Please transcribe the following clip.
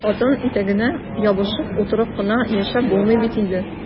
Хатын итәгенә ябышып утырып кына яшәп булмый бит инде!